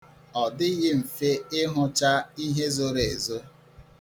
Ọ dịghị mfe ịhụcha ihe zoro ezo.